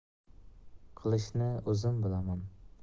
qilishni o'zim bilaman